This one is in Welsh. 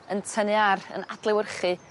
yn tynnu ar yn adlewyrchu